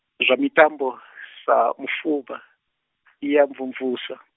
zwa mitambo sa mufuvha i ya mvumvusa.